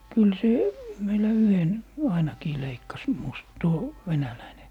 kyllä se meillä yhden ainakin leikkasi - tuo venäläinen